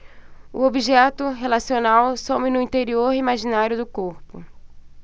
o objeto relacional some no interior imaginário do corpo